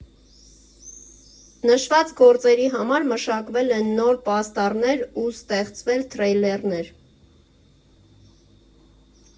Նշված գործերի համար մշակվել են նոր պաստառներ ու ստեղծվել թրեյլերներ։